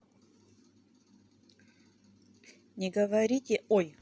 не говорите ой